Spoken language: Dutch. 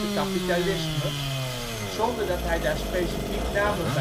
kapitalisme ', zonder dat hij daar specifiek namen